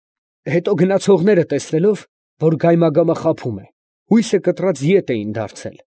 Հետո գնացողներն տեսնելով, որ գայմագամը խաբում է, հույսը կտրած ետ էին դարձել։